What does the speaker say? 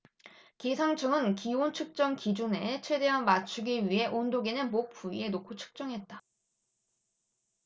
기상청의 기온 측정 기준에 최대한 맞추기 위해 온도계는 목 부위에 놓고 측정했다